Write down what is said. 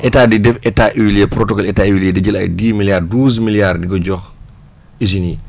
état di def état huiliers protocol état huilier di jël ay dix milliards douze milliards di ko jox usines yi